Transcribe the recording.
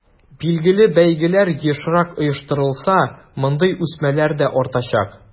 Билгеле, бәйгеләр ешрак оештырылса, мондый үсмерләр дә артачак.